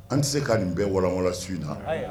An ti se ka nin bɛɛ walawala su in na.